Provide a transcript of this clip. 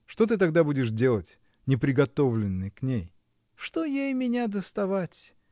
Что ты тогда будешь делать, не приготовленный к ней? — Что ей меня доставать?